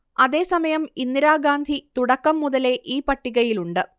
അതേ സമയം ഇന്ദിരാഗാന്ധി തുടക്കം മുതലേ ഈ പട്ടികയിലുണ്ട്